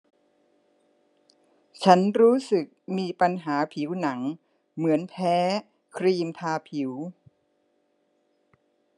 ฉันรู้สึกมีปัญหาผิวหนังเหมือนแพ้ครีมทาผิว